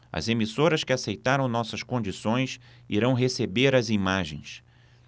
as emissoras que aceitaram nossas condições irão receber as imagens